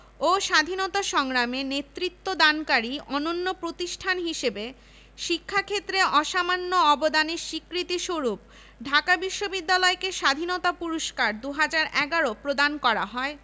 চারুকলা ১৯৯৬ অধ্যাপক কবীর চৌধুরী ইংরেজি বিভাগ শিক্ষা ১৯৯৭ অধ্যাপক A Q M Bazlul Karim